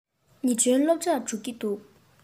ཉི སྒྲོན སློབ གྲྭར འགྲོ གི འདུག